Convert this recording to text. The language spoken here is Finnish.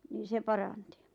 niin se paransi